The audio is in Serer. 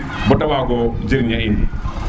bata wago jir ña in